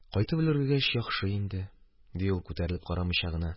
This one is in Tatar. – кайтып өлгергәч яхшы инде ,– ди ул, күтәрелеп карамыйча гына.